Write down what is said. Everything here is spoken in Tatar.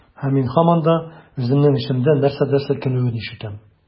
Һәм мин һаман да үземнең эчемдә нәрсәдер селкенүен ишетәм.